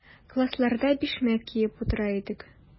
Классларда бишмәт киеп утыра идек.